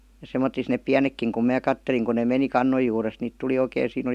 ja semmottoon ne pienetkin kun minä katselin kun ne meni kannon juuresta niitä tuli oikein siinä oli